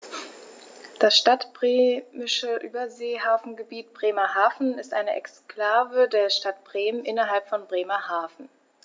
Das Stadtbremische Überseehafengebiet Bremerhaven ist eine Exklave der Stadt Bremen innerhalb von Bremerhaven.